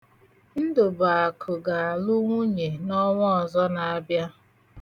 Ndụbụakụ ga-alụ nwunye n'ọnwa ọzọ na-abịa.